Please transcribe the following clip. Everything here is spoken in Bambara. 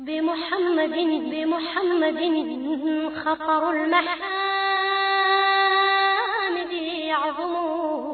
Denmug denmumini wulala yo